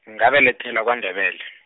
ngabelethelwa kwaNdebele.